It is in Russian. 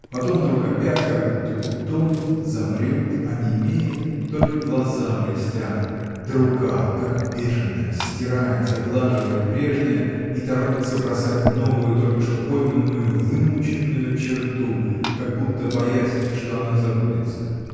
Потом вдруг опять как будто утонет, замрет, онемеет, только глаза блестят, да рука, как бешеная, стирает, заглаживает прежнее и торопится бросать новую, только что пойманную, вымученную черту, как будто боясь, что она забудется.